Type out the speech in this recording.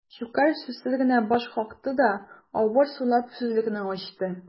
Щукарь сүзсез генә баш какты да, авыр сулап сүзлекне ачты.